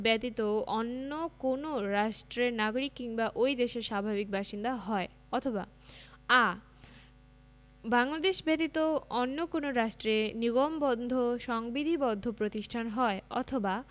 ব্যতীত অন্য কোন রাষ্ট্রের নাগরিক কিংবা ঐ দেশের স্বাভাবিক বাসিন্দা হয় অথবা আ বাংলাদেশ ব্যতীত অন্য কোন রাষ্ট্রে নিগমবন্ধ সংবিধিবদ্ধ প্রতিষ্ঠান হয় অথবা